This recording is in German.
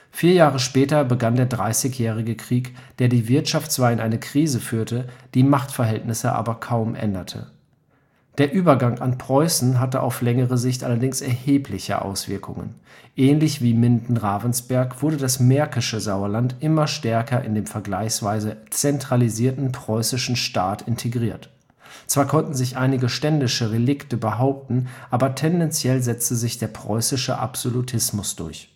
Vier Jahre später begann der Dreißigjährige Krieg, der die Wirtschaft zwar in eine Krise führte, die Machtverhältnisse aber kaum änderte. Der Übergang an Preußen hatte auf längere Sicht allerdings erhebliche Auswirkungen. Ähnlich wie Minden-Ravensberg wurde das märkische Sauerland immer stärker in den vergleichsweise zentralisierten preußischen Staat integriert. Zwar konnten sich einige ständische Relikte behaupten, aber tendenziell setzte sich der preußische Absolutismus durch